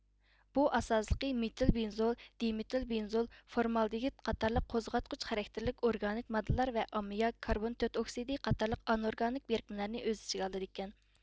بۇ ئاساسلىقى مېتىل بېنزول دېمىتىل بېنزول فورمالدېگىد قاتارلىق قوزغاتقۇچ خاراكتېرلىك ئورگانىك ماددىلار ۋە ئاممىياك كاربون تۆت ئوكسىدى قاتارلىق ئانئورگانىك بىرىكمىلەرنى ئۆز ئىچىگە ئالىدىكەن